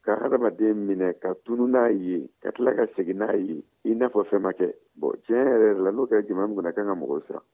ka hadamaden minɛ ka tunun n'a ye ka tila ka segin n'a ye i n'a fɔ fɛn ma kɛ bon tiɲɛ yɛrɛyɛrɛ la n'o kɛra jamana min kɔnɔ a ka kan ka mɔgɔ siran